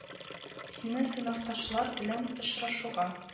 Сине сыйныфташлар белән очрашуга